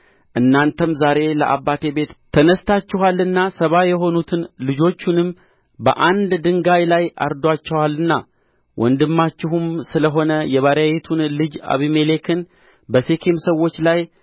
እናንተም ዛሬ በአባቴ ቤት ተነሥታችኋልና ሰባ የሆኑትን ልጆቹንም በአንድ ድንጋይ ላይ አርዳችኋልና ወንድማችሁም ስለ ሆነ የባሪያይቱን ልጅ አቤሜሌክን በሴኬም ሰዎች ላይ